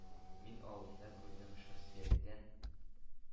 Мин алдымда күрдем шыр сөяктән